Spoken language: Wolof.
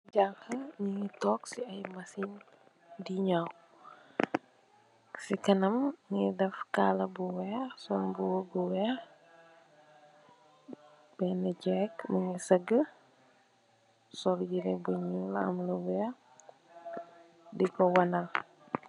Jàngha nungi toog ci ay masin di nëw, ci kanam nungi deff kala bu weeh, sol mbubu bu weeh. Benn jèk mungi sagu sol yiré bu ñuul am lu weeh diko wanal.